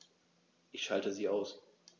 Ich schalte sie aus.